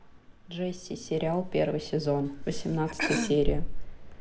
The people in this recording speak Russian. джесси сериал первый сезон восемнадцатая серия